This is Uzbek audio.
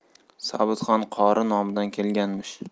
sobitxon qori nomidan kelganmish